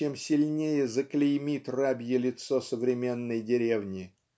чем сильнее заклеймит рабье лицо современной деревни.